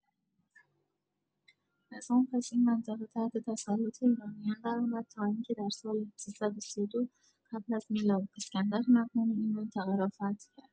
و زان پس این منطقه تحت تسلط ایرانیان درآمد تا اینکه در سال ۳۳۲ قبل از میلاد، اسکندر مقدونی این منطقه را فتح کرد.